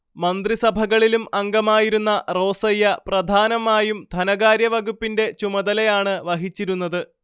മന്ത്രിസഭകളിലും അംഗമായിരുന്ന റോസയ്യ പ്രധാനമായും ധനകാര്യവകുപ്പിന്റെ ചുമതലയാണ് വഹിച്ചിരുന്നത്